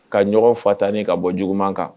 Ka ɲɔgɔnw fa tan ka bɔ juguman kan